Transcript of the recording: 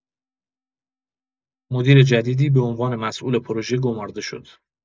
مدیر جدیدی به عنوان مسئول پروژه گمارده شد.